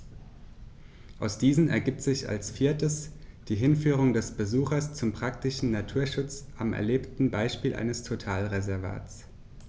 Aus diesen ergibt sich als viertes die Hinführung des Besuchers zum praktischen Naturschutz am erlebten Beispiel eines Totalreservats.